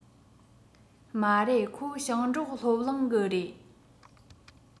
མ རེད ཁོ ཞིང འབྲོག སློབ གླིང གི རེད